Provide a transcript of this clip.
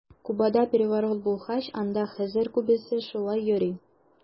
Кубада переворот булгач, анда хәзер күбесе шулай йөри.